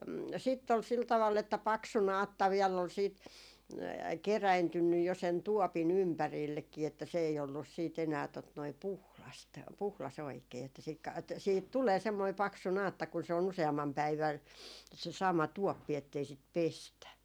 sitten oli sillä tavalla että paksu naatta vielä oli sitten kerääntynyt jo sen tuopin ympärillekin että se ei ollut sitten enää tuota noin puhdasta puhdas oikein että -- että siihen tulee semmoinen paksu naatta kun se on useamman päivän se sama tuoppi että ei sitä pestä